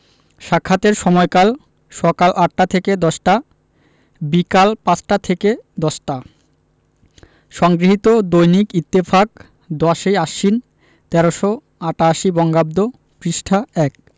সাক্ষাতের সময়ঃসকাল ৮টা থেকে ১০টা - বিকাল ৫টা থেকে ১০টা সংগৃহীত দৈনিক ইত্তেফাক ১০ই আশ্বিন ১৩৮৮ বঙ্গাব্দ পৃষ্ঠা ১